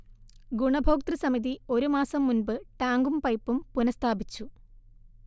ഗുണഭോക്തൃസമിതി ഒരുമാസം മുൻപ് ടാങ്കും പൈപ്പും പുനഃസ്ഥാപിച്ചു